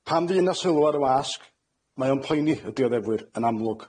Pan fy' 'na sylw ar y wasg, mae o'n poeni y dioddefwyr yn amlwg.